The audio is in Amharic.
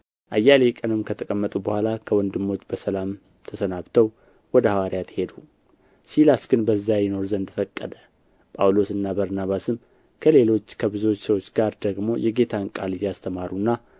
አያሌ ቀንም ከተቀመጡ በኋላ ከወንድሞች በሰላም ተሰናብተው ወደ ሐዋርያት ሄዱ ሲላስ ግን በዚያ ይኖር ዘንድ ፈቀደ ጳውሎስና በርናባስም ከሌሎች ከብዙ ሰዎች ጋር ደግሞ የጌታን ቃል እያስተማሩና